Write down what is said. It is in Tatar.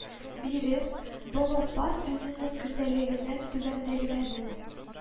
Биреп, бонапарт үзенең көндәлегенә түбәндәгеләрне